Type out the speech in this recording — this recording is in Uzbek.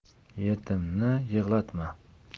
yetimni yig'latma